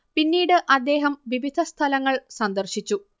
പിന്നീട് അദ്ദേഹം വിവിധ സ്ഥലങ്ങൾ സന്ദർശിച്ചു